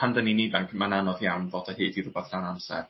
pan 'dan ni'n ifanc ma'n anodd iawn ddod o hyd i rwbath llawn amser.